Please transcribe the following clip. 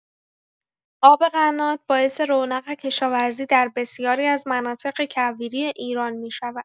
آب قنات باعث رونق کشاورزی در بسیاری از مناطق کویری ایران می‌شود.